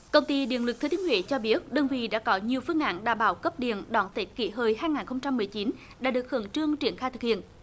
công ty điện lực thừa thiên huế cho biết đơn vị đã có nhiều phương án đảm bảo cấp điện đón tết kỷ hợi hai ngàn không trăm mười chín đã được khẩn trương triển khai thực hiện